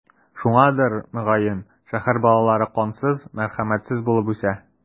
Шуңадыр, мөгаен, шәһәр балалары кансыз, мәрхәмәтсез булып үсә.